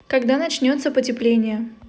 когда начнется потепление